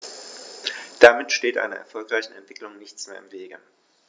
Damit steht einer erfolgreichen Entwicklung nichts mehr im Wege.